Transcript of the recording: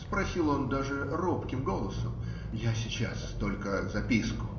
- спросил он даже робким голосом: - я сейчас, только записку.